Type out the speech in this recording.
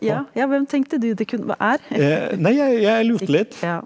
ja ja hvem tenkte du det kunne er ja.